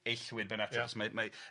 Eillwyd yn ateb... Ia. ...so mae mae